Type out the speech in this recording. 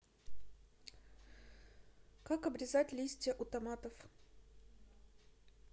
как обрезать листья у томатов